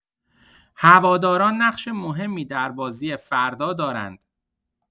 هواداران نقش مهمی در بازی فردا دارند.